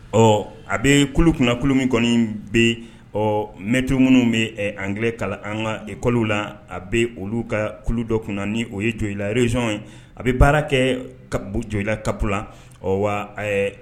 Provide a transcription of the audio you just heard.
Ɔ a bɛ kulu kunnakulu min kɔni bɛ ɔ mɛto minnu bɛ an yɛrɛere kalan an kakɔliw la a bɛ olu ka kulu dɔ kunna ni o ye jo lareson ye a bɛ baara kɛ jolila kap la wa